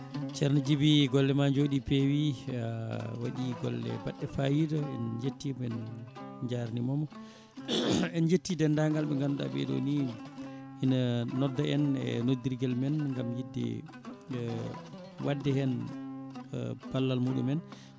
ceerno Djiby golle ma jooɗi peewi a waɗi golle mbaɗɗe fayida en jettimo en jarnimomo en jetti dendagal ɓe ganduɗa ɓeeɗo ni ina nodda en e noddirguel men gaam yidde wadde hen ballal muɗumen